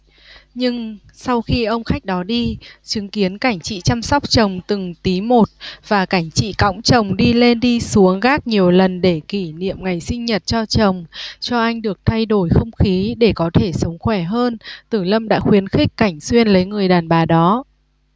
nhưng sau khi ông khách đó đi chứng kiến cảnh chị chăm sóc chồng từng tí một và cảnh chị cõng chồng đi lên đi xuống gác nhiều lần để kỷ niệm ngày sinh nhật cho chồng cho anh được thay đổi không khí để có thể sống khỏe hơn tử lâm đã khuyến khích cảnh xuyên lấy người đàn bà đó